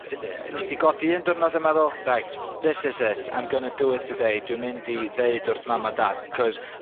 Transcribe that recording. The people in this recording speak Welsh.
Be- de- nest di godi un diwrnod a meddwl right, this is it, I'm gonna do it today, dwi'n mynd i ddeud wrth mam a dad 'c'os